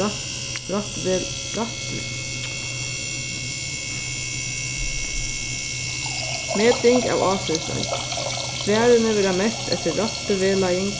meting av ástøðisroynd svarini verða mett eftir rættivegleiðing